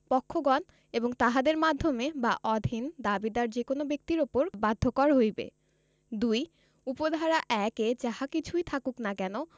পক্ষগণ এবং তাহাদের মাধ্যমে বা অধীন দাবীদার যে কোন ব্যক্তির উপর বাধ্যকর হইবে ২ উপ ধারা ১ এ যাহা কিছুই থাকুক না কেন